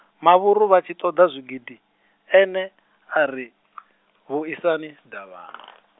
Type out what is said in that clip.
mavhuru vha tshi ṱoḓa zwigidi, ene ari, vhuisani Davhana.